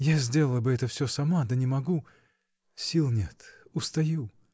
— Я сделала бы это всё сама, да не могу. сил нет. устаю!